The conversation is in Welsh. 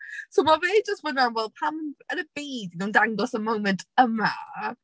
So ma' fe jyst fan'na fel, "pam yn y byd maen nhw'n dangos y moment yma"?